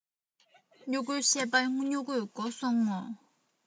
སྨྱུ གུའི བཤད པ སྨྱུ གུས གོ སོང ངོ